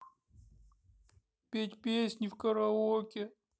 петь песни в караоке